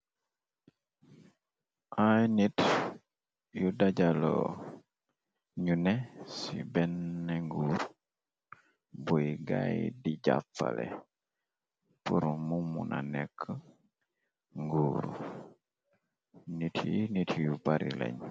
Ay nit yu dajalo ñu ne ci benne nguur buy gaay di jàffale prmu mu na nekk nguuru nt nit yu parileñ.